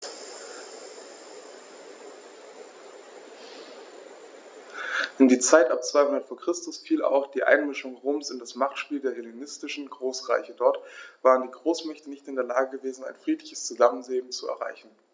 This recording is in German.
In die Zeit ab 200 v. Chr. fiel auch die Einmischung Roms in das Machtspiel der hellenistischen Großreiche: Dort waren die Großmächte nicht in der Lage gewesen, ein friedliches Zusammenleben zu erreichen.